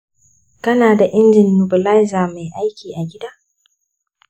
kana da injin nebulizer mai aiki a gida?